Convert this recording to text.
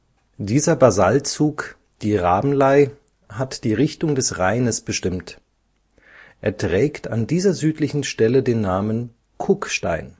Dieser Basaltzug, die „ Rabenlay “, hat die Richtung des Rheines bestimmt. Er trägt an dieser südlichen Stelle den Namen „ Kuckstein